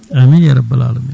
amin ya rabbal alamina